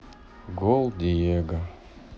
гол диего